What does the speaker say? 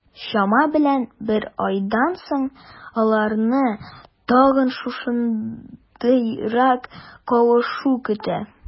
Чама белән бер айдан соң, аларны тагын шушындыйрак кавышу көтә.